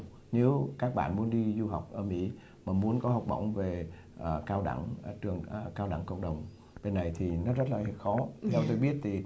nếu các bạn muốn đi du học ở mỹ mà muốn có học bổng về cao đẳng ở trường cao đẳng cộng đồng thì cái này thì nó rất là hơi khó hiểu tôi biết thì